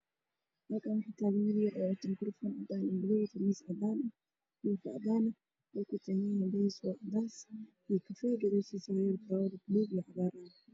Halkaan waxaa taagan wiil wato makaroofan cadaan iyo madow ah, qamiis cadaan ah, koofi cadaan ah, meesha uu taagan yahay waa cadeys iyo kafay, gadaashiisana waxaa kabaxaayo falaawar cagaar iyo gaduud ah.